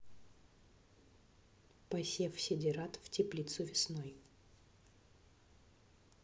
посев седератов в теплицу весной